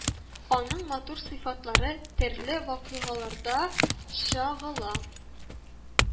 Аның матур сыйфатлары төрле вакыйгаларда чагыла